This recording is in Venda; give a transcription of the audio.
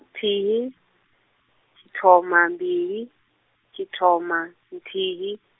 thihi, tshithoma mbili, tshithoma, nthihi.